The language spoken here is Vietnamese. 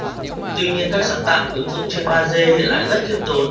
tuy nhiên các sáng tạo ứng dụng trên ba g hiện tại rất khiêm tốn